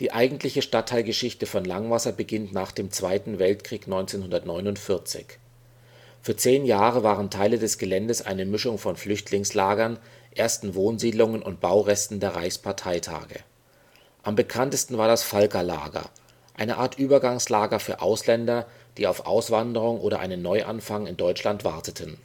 eigentliche Stadtteilgeschichte von Langwasser beginnt nach dem Zweiten Weltkrieg 1949. Für zehn Jahre waren Teile des Geländes eine Mischung von Flüchtlingslagern, ersten Wohnsiedlungen und Bauresten der Reichsparteitage. Am bekanntesten war das Valka-Lager, eine Art Übergangslager für Ausländer, die auf Auswanderung oder einen Neuanfang in Deutschland warteten